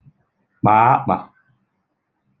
kpà akpà